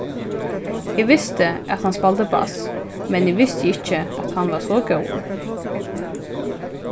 eg visti at hann spældi bass men eg visti ikki at hann var so góður